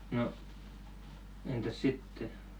no entäs sitten